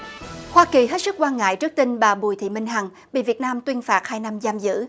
hoa kỳ hết sức quan ngại trước tình bà bùi thị minh hằng bị việt nam tuyên phạt hai năm giam giữ